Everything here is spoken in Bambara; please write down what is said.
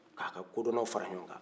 k'a ka kodɔnnaw fara ɲɔgɔn kan